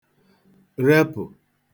repụ̀